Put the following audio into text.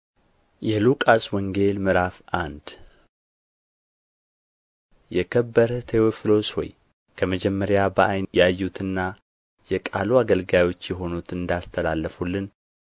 የሉቃስ ወንጌል ምዕራፍ አንድ የከበርህ ቴዎፍሎስ ሆይ ከመጀመሪያው በዓይን ያዩትና የቃሉ አገልጋዮች የሆኑት እንዳስተላለፉልን